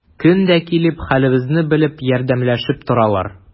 Көн дә килеп, хәлебезне белеп, ярдәмләшеп торалар.